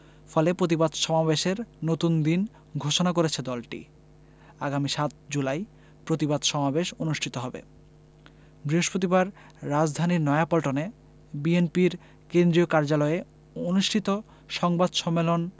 ফলে প্রতিবাদ সমাবেশের নতুন দিন ঘোষণা করেছে দলটি আগামী ৭ জুলাই প্রতিবাদ সমাবেশ অনুষ্ঠিত হবে বৃহস্পতিবার রাজধানীর নয়াপল্টনে বিএনপির কেন্দ্রীয় কার্যালয়ে অনুষ্ঠিত সংবাদ সম্মেলন